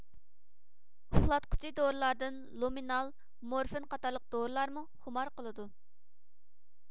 ئۇخلاتقۇچى دورىلاردىن لۇمىنال مورفىن قاتارلىق دورىلارمۇ خۇمار قىلىدۇ